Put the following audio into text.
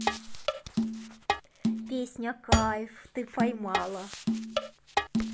песня кайф ты поймала